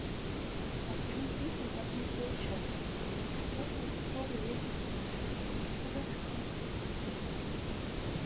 а почему песня так не получается у меня которая скоро вечер господа соколов исполняет